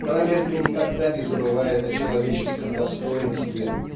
Короленко никогда не забывает о человеческом достоинстве